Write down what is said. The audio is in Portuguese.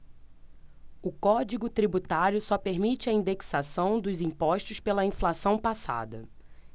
o código tributário só permite a indexação dos impostos pela inflação passada